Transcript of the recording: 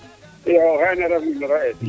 iyo o xeene ref numero es